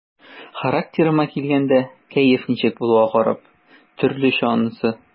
Характерыма килгәндә, кәеф ничек булуга карап, төрлечә анысы.